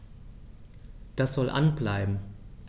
Das soll an bleiben.